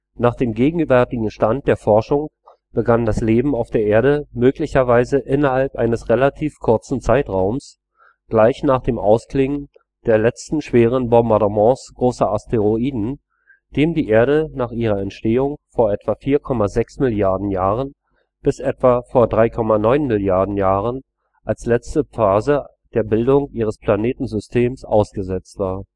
Nach dem gegenwärtigen Stand der Forschung begann das Leben auf der Erde möglicherweise innerhalb eines relativ kurzen Zeitraums, gleich nach dem Ausklingen des letzten schweren Bombardements großer Asteroiden, dem die Erde nach ihrer Entstehung vor etwa 4,6 Milliarden Jahren bis etwa vor 3,9 Milliarden Jahren als letzte Phase der Bildung ihres Planetensystems ausgesetzt war